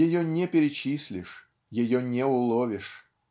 Ее не перечислишь, ее не уловишь.